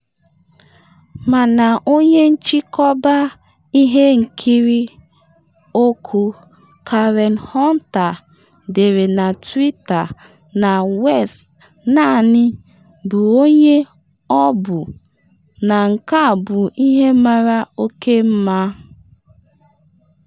Mana onye nchịkọba ihe nkiri okwu Karen Hunter dere na twitter na West naanị “bụ onye ọ bụ, na nke a bụ ihe mara oke mma.”